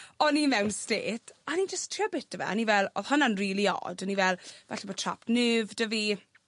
O'n i mewn state a o'n i'n jyst trio bita fe a o'n i fel odd hwnna'n rili od o'n i fel falle bo' trapped nerve 'da fi